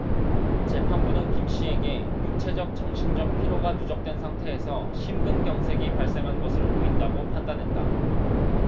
재판부는 김씨에게 육체적 정신적 피로가 누적된 상태에서 심근경색이 발생한 것으로 보인다고 판단했다